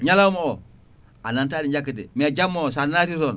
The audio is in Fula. ñalawma o a nanta ɗi jakka de mais jamma o sa naati toon